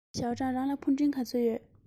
ཞའོ ཀྲང རང ལ ཕུ འདྲེན ག ཚོད ཡོད